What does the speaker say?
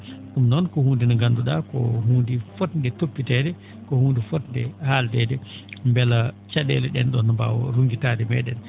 ?um noon ko huunde nde nganndu?aa ko hunnde fotde toppiteede ko huunde fotnde haaldeede mbela ca?eele ?een ?oon mbaawa runngitaade me?en